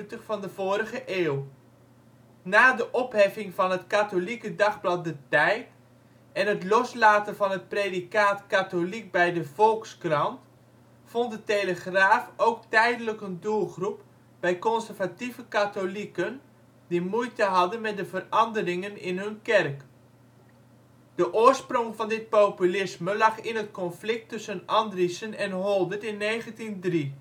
vorige eeuw. Na de opheffing van het katholieke dagblad De Tijd en het loslaten van het predicaat katholiek bij de Volkskrant, vond de Telegraaf ook tijdelijk een doelgroep bij conservatieve katholieken die moeite hadden met de veranderingen in hun kerk. De oorsprong van dit populisme lag in het conflict tussen Andriessen en Holdert in 1903